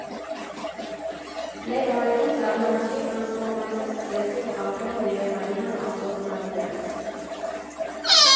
Մեր օրերում զարմանալի տրանսֆորմացիա սկսեցին ապրել երևանյան ավտոտնակները։